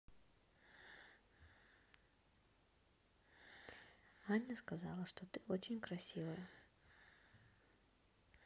аня сказала что ты очень красивая